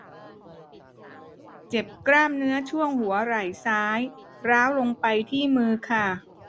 เจ็บกล้ามเนื้อช่วงหัวไหล่ซ้ายร้าวลงไปที่มือค่ะ